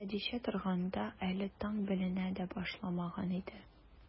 Хәдичә торганда, әле таң беленә дә башламаган иде.